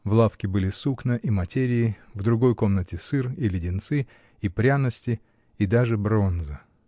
В лавке были сукна и материи, в другой комнате — сыр, и леденцы, и пряности, и даже бронза.